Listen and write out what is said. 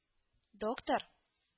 — доктор